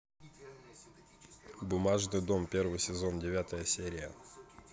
бумажный дом первый сезон девятая серия